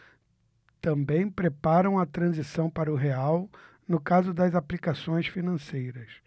também preparam a transição para o real no caso das aplicações financeiras